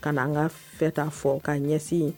Ka an ka fɛta fɔ k'a ɲɛsin